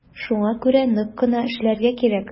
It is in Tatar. Шуңа күрә нык кына эшләргә кирәк.